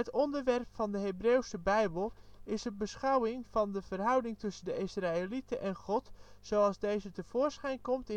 onderwerp van de Hebreeuwse Bijbel is een beschouwing van de verhouding tussen de Israëlieten en God zoals deze tevoorschijn komt